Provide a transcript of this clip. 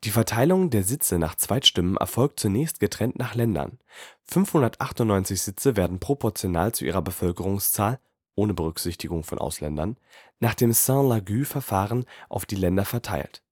Verteilung der Sitze nach Zweitstimmen erfolgt zunächst getrennt nach Ländern. 598 Sitze werden proportional zu ihrer Bevölkerungszahl (ohne Berücksichtigung von Ausländern) nach dem Sainte-Laguë-Verfahren auf die Länder verteilt